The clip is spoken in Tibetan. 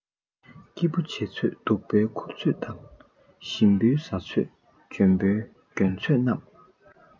སྐྱིད པོ བྱེད ཚོད སྡུག པོའི འཁུར ཚོད དང ཞིམ པོའི ཟ ཚོད འཇམ པོའི གྱོན ཚོད རྣམས